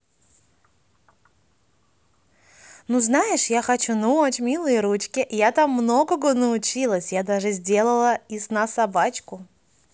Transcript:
ну знаешь я хочу ночь милые ручки я там многого научилась я даже сделала из на собачку